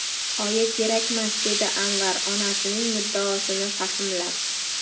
oyi kerakmas dedi anvar onasining muddaosini fahmlab